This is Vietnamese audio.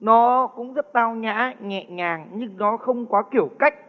nó cũng rất tao nhã nhẹ nhàng nhưng nó không quá kiểu cách